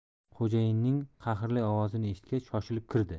xo'jayinning qahrli ovozini eshitgach shoshilib kirdi